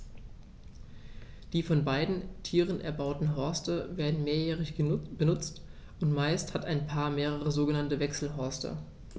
Die von beiden Tieren erbauten Horste werden mehrjährig benutzt, und meist hat ein Paar mehrere sogenannte Wechselhorste.